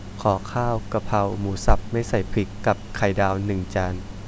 ขอข้าวกะเพราหมูสับไม่ใส่พริกกับไข่ดาวหนึ่งจาน